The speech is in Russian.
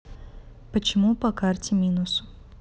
почему по карте минус